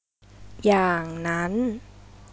อย่างนั้น